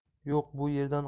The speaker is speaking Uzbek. yo'q bu yerdan